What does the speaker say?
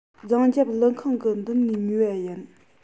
རྫོང རྒྱབ ཀླུ ཁང གི མདུན ནས ཉོས པ ཡིན